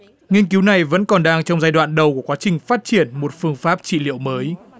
n nghiên cứu này vẫn còn đang trong giai đoạn đầu của quá trình phát triển một phương pháp trị liệu mới